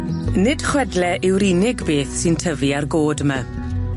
Nid chwedle yw'r unig beth sy'n tyfu ar go'd yma.